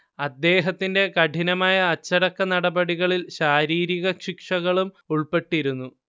അദ്ദേഹത്തിന്റെ കഠിനമായ അച്ചടക്കനടപടികളിൽ ശാരീരിക ശിക്ഷകളും ഉൾപ്പെട്ടിരുന്നു